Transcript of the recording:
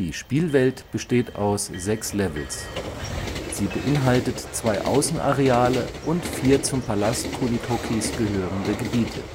Spielwelt besteht aus sechs Levels. Sie beinhaltet zwei Außenareale und vier zum Palast Kunitokis gehörende Gebiete